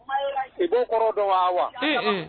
I b'o kɔrɔ dɔn wa wa